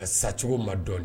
Ka sacogo ma dɔn